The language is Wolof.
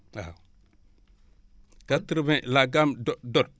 waaw quatre vingt la gamme do dotte